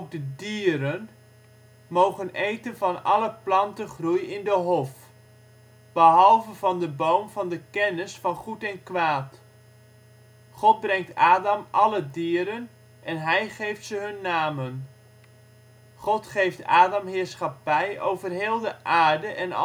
de dieren mogen eten van alle plantengroei in de Hof, (Gen.1:29,30) behalve van de Boom van de kennis van goed en kwaad '. God brengt Adam alle dieren en hij geeft ze hun namen. God geeft Adam heerschappij over heel de aarde en